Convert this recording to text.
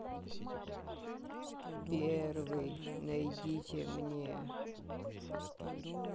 первый найдите мне